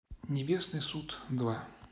небесный суд два